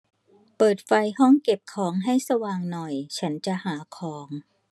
เปิดไฟห้องเก็บของให้สว่างหน่อยฉันจะหาของ